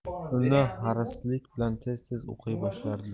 uni harislik bilan tez tez o'qiy boshlardi